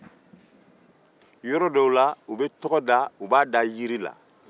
u bɛ tɔgɔ dɔw da yɔrɔ dɔw u b'a da jiri